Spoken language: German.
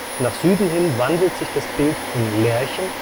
Nach Süden hin wandelt sich das Bild in Lärchen